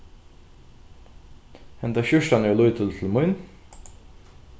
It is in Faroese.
henda skjúrtan er ov lítil til mín